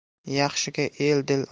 yaxshiga el dil